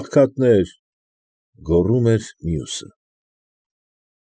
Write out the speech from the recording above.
Աղքատներ, ֊ գոռում էր մյուսը։